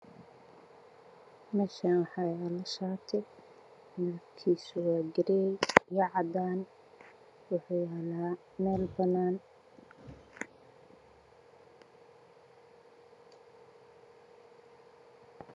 Waa shaar midabkiisu yahay hadday madow waxa uu saaran yahay miis midabkiis yahay cadaan